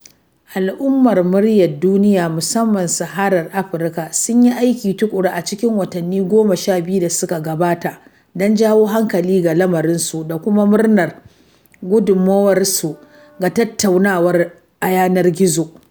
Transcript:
Al’ummar muryar duniya, musamman Saharar Afirka, sun yi aiki tuƙuru a cikin watanni goma sha biyu da suka gabata don jawo hankali ga lamarinsu da kuma murnar gudummawarsu ga tattaunawar a yanar gizo.